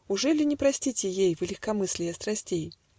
Ужели не простите ей Вы легкомыслия страстей?